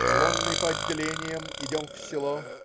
Колонной по отделениям идем в село.